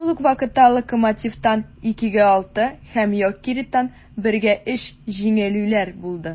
Шул ук вакытта "Локомотив"тан (2:6) һәм "Йокерит"тан (1:3) җиңелүләр булды.